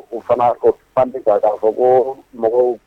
U fana fan' k fɔ ko mɔgɔw